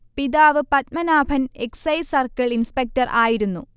പിതാവ് Padmanabhan excise circle inspector ആയിരുന്നു